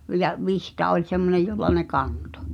ja vitsa oli semmoinen jolla ne kantoi